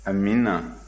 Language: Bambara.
amiina